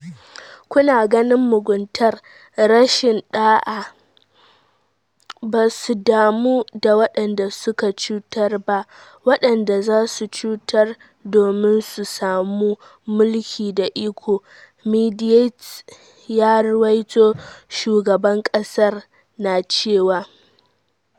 Kuna ganin muguntar, rashin da’a, ba su damu da waɗanda suka cutar ba, waɗanda zasu cutar domin su samu mulki da iko, Mediaite ya ruwaito shugaban kasar na cewa.